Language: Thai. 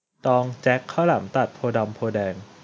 ตองแจ็คข้าวหลามตัดโพธิ์ดำโพธิ์แดง